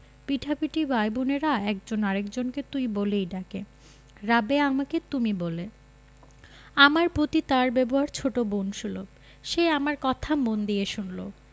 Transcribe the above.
পিঠাপিঠি ভাই বোনেরা একজন আরেক জনকে তুই বলেই ডাকে রাবেয়া আমাকে তুমি বলে আমার প্রতি তার ব্যবহার ছোট বোন সুলভ সে আমার কথা মন দিয়ে শুনলো